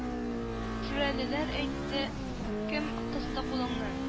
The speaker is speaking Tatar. Шүрәлеләр әйтте кем кысты кулыңны